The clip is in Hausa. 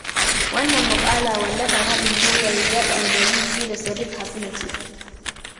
Wannan muƙala wallafar haɗin gwiwar Riyadh Al Balushi da Sadeek Hasna ce.